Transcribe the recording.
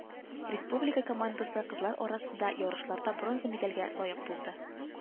Республика командасы кызлар арасында ярышларда бронза медальгә лаек булды.